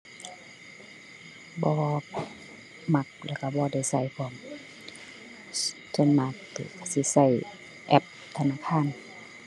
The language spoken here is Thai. บ่มัก แล้วก็บ่ได้ก็พร้อม ส่วนมากสิก็แอปธนาคาร